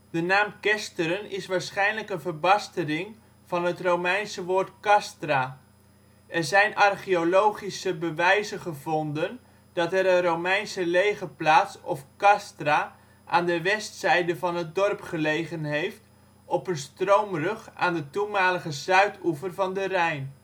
naam Kesteren is waarschijnlijk een verbastering van het romeinse woord castra. Er zijn archeologische bewijzen gevonden dat er een romeinse legerplaats, of castra, aan de westzijde van het dorp gelegen heeft op een stroomrug aan de toenmalige zuidoever van de Rijn